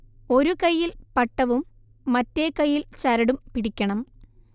ഒരു കൈയ്യിൽ പട്ടവും മറ്റേ കൈയിൽ ചരടും പിടിക്കണം